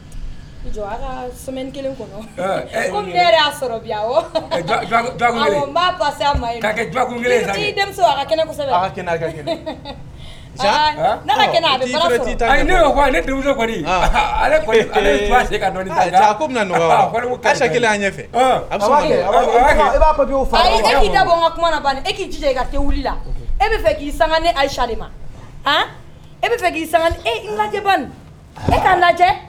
' k sabali e lajɛ